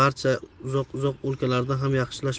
barchaga uzoq uzoq o'lkalarda ham yaxshi ma'lum